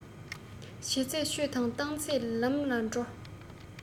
བྱས ཚད ཆོས དང བཏང ཚད ལམ ལ འགྲོ